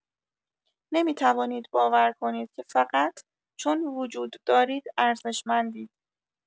نمی‌توانید باور کنید که فقط چون وجود دارید ارزشمندید.